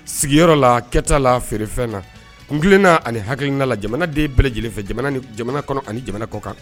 Sigiyɔrɔ la kɛta la feerefɛn na kunna ani hada la jamanaden bɛ lajɛlenfɛ jamana kɔnɔ ani jamana kɔ kan